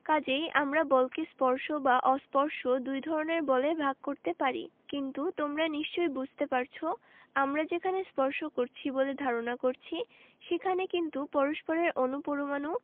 আমরা বলকে স্পর্শ এবং অস্পর্শ দুই ধরনের বলে ভাগ করতে পারি কিন্তু তোমরা নিশ্চয়ই বুঝতে পারছ আমরা যেখানে স্পর্শ করছি বলে ধারণা করছি সেখানে কিন্তু পরস্পরের অণু পরমাণু